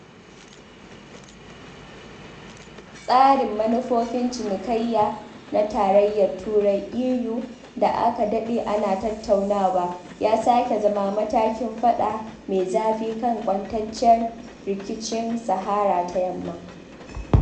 Tsarin manufofin cinikayya na Tarayyar Turai (EU) da aka daɗe ana tattaunawa ya sake zama matakin faɗa mai zafi kan kwantaccen rikicin Sahara ta Yamma.